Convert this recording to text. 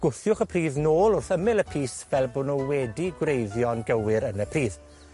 gwthiwch y pridd nôl wrth ymyl y pys fel bo' nw wedi gwreiddio'n gywir yn y pridd.